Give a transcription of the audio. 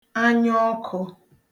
anyaọkụ̄